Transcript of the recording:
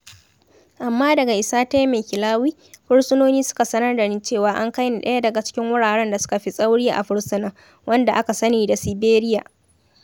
Amma daga isata Maekelawi, fursunoni suka sanar dani cewa an kai ni ɗaya daga cikin wuraren da suka fi tsauri a fursunan, wanda aka sani da "Siberia".